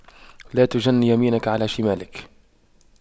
لا تجن يمينك على شمالك